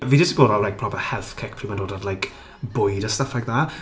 Fi jyst di bod ar like proper health kick pryd mae'n dod at like bwyd a stuff like that.